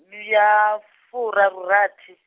ḽi ya, furarurathi.